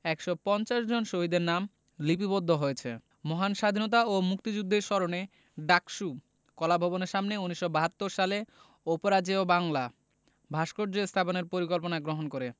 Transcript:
১৫০ জন শহীদের নাম লিপিবদ্ধ হয়েছে মহান স্বাধীনতা ও মুক্তিযুদ্ধের স্মরণে ডাকসু কলাভবনের সামনে ১৯৭২ সালে অপরাজেয় বাংলা ভাস্কর্য স্থাপনের পরিকল্পনা গ্রহণ করে